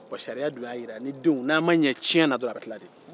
bɔn sariya dun ya jira n'aw ma ɲɛ tiɲɛ la dɔrɔn a bɛ tilan de